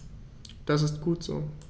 Das ist gut so.